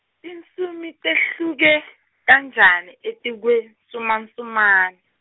tinsimu tehluke, kanjani etikwensumansumane?